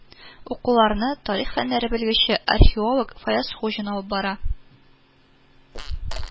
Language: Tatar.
Укуларны тарих фәннәре белгече, археолог Фаяз Хуҗин алып бара